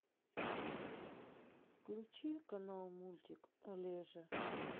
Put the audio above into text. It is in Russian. включи канал мультик олеже